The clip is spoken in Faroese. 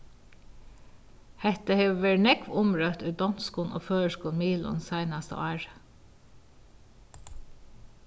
hetta hevur verið nógv umrøtt í donskum og føroyskum miðlum seinasta árið